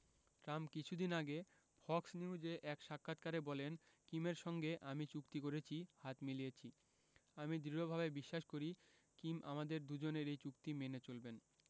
Trump কিছুদিন আগে Fox নিউজে এক সাক্ষাৎকারে বলেন কিমের সঙ্গে আমি চুক্তি করেছি হাত মিলিয়েছি আমি দৃঢ়ভাবে বিশ্বাস করি কিম আমাদের দুজনের এই চুক্তি মেনে চলবেন